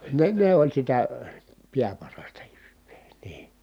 ne ne oli sitä pääparasta jyvää niin